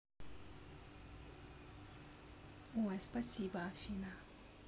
ой спасибо афина